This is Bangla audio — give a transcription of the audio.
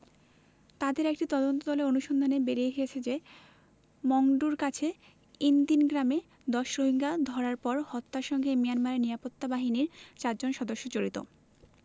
তাদের একটি তদন্তদলের অনুসন্ধানে বেরিয়ে এসেছে যে মংডুর কাছে ইনদিন গ্রামে ১০ রোহিঙ্গাকে ধরার পর হত্যার সঙ্গে মিয়ানমারের নিরাপত্তা বাহিনীর চারজন সদস্য জড়িত